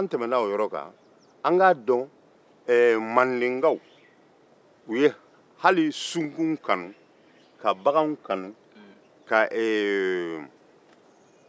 n'an tɛmɛna o kan an k'a dɔn mandenkaw ye sunkun kanu ka baganw kanu